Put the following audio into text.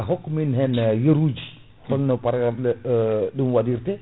hokku min yeeru ji holno programme ɗum waɗirte